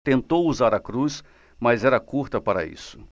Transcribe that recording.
tentou usar a cruz mas era curta para isto